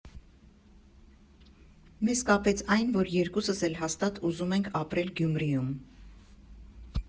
Մեզ կապեց այն, որ երկուսս էլ հաստատ ուզում ենք ապրել Գյումրիում։